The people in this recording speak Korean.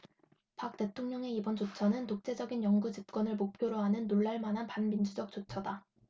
박 대통령의 이번 조처는 독재적인 영구집권을 목표로 하는 놀랄 만한 반민주적 조처다